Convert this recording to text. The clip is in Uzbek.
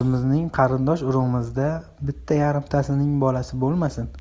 o'zimizning qarindosh urug'imizda bitta yarimtasining bolasi bo'lmasin